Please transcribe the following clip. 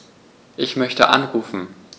Ich möchte anrufen.